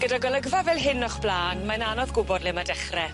Gyda golygfa fel hyn o'ch bla'n mae'n anodd gwbod le ma' dechre.